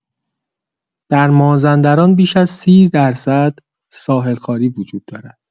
در مازندران بیش از ۳۰ درصد ساحل خواری وجود دارد.